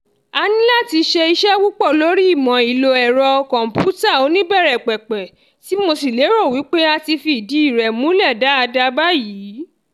A ní láti ṣe iṣẹ́ púpọ̀ lórí ìmọ̀ ìlò ẹ̀rọ kọ̀m̀pútà oníbẹ̀rẹ̀pẹ̀pẹ̀, tí mo sì lérò wí pé a ti fi ìdí rẹ̀ múlẹ̀ dáadáa báyìí.